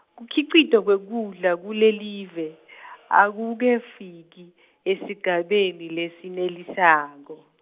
Kukhicitwa kwekudla kulelive , akukefiki, esigabeni lesenelisako.